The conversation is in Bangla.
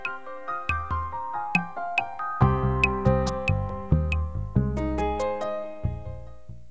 মিউজিক